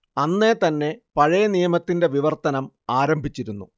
അന്നേ തന്നെ പഴയ നിയമത്തിന്റെ വിവർത്തനം ആരംഭിച്ചിരുന്നു